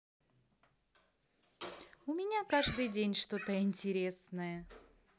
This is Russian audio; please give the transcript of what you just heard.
у меня каждый день что то интересное